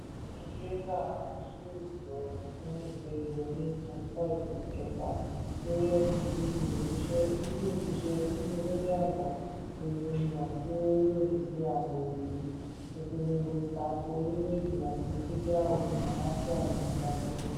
Hamidreza Amini yóò lọ fún ìpẹ̀jọ́ ní 25 oṣù Kẹfà lórí ẹ̀sùn "bíbú òjíṣẹ́", "bíbú olórí àgbà", "híhu ìwà tí ó lòdì sí ààbò ìlú", "ìpolongo tako orílẹ̀ èdè", àti "dída omi àlàáfíà èróńgbà gbogbo rú".